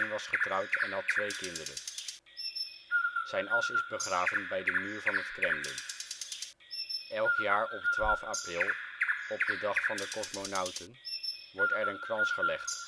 was getrouwd en had twee kinderen. Hij is begraven bij de muur van het Kremlin. Elk jaar op 12 april, op de dag van de kosmonauten, wordt er een krans gelegd